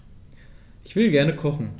Ich will gerne kochen.